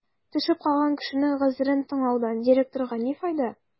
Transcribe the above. Төшеп калган кешенең гозерен тыңлаудан директорга ни файда?